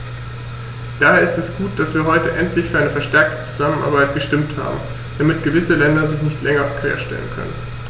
Daher ist es gut, dass wir heute endlich für eine verstärkte Zusammenarbeit gestimmt haben, damit gewisse Länder sich nicht länger querstellen können.